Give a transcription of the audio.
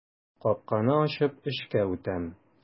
Капканы ачып эчкә үтәм.